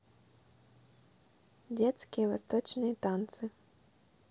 детские восточные танцы